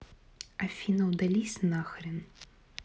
афина удались нахрен